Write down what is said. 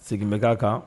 Segin bɛ k'a kan.